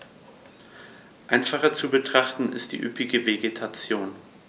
Einfacher zu betrachten ist die üppige Vegetation.